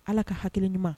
Ala ka hakili ɲuman